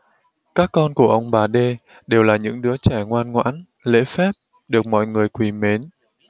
các con của ông bà đê đều là những đứa trẻ ngoan ngoãn lễ phép được mọi người quý mến